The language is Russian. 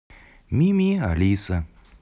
мими алиса